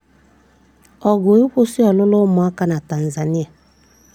Ọgụ ịkwụsị ọlụlụ ụmụaka na Tanzania